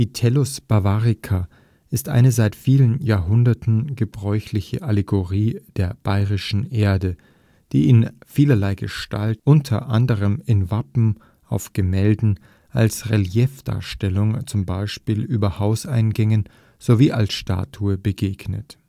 Tellus Bavarica ist eine seit vielen Jahrhunderten gebräuchliche Allegorie der „ bayerischen Erde “, die in vielerlei Gestalt unter anderem in Wappen, auf Gemälden, als Reliefdarstellung, zum Beispiel über Hauseingängen, sowie als Statue begegnet